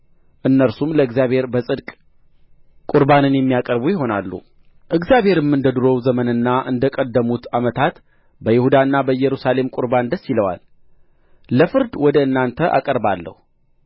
እነርሱም ለእግዚአብሔር በጽድቅ ቍርባንን የሚያቀርቡ ይሆናሉ እግዚአብሔርም እንደ ዱሮው ዘመንና እንደ ቀደሙት ዓመታት በይሁዳና በኢየሩሳሌም ቍርባን ደስ ይለዋል ለፍርድ ወደ እናንተ እቀርባለሁ